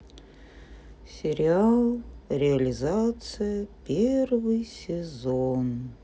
сериал реализация первый сезон